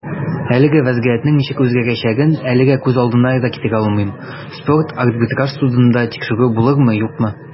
Әлеге вәзгыятьнең ничек үзгәрәчәген әлегә күз алдына да китерә алмыйм - спорт арбитраж судында тикшерү булырмы, юкмы.